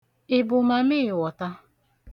Ị bụ mamịịwọta?